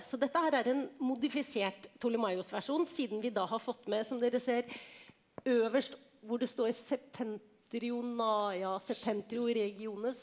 så dette her er en modifisert Ptolemaios-versjon siden vi da har fått med som dere ser øverst hvor det står .